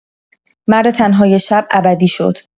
مرد تن‌های شب ابدی شد.